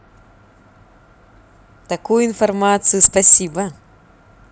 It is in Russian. такую информацию спасибо